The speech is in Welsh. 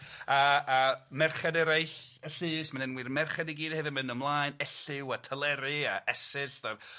a a merched eraill y llys, ma'n enwi'r merched i gyd hefyd myn' ymlaen, Elliw a Tyleri a Esyll a